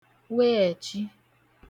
weẹchi